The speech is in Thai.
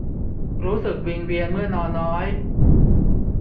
รู้สึกวิงเวียนเมื่อนอนน้อย